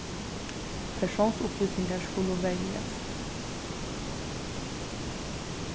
persónsupplýsingar skulu verjast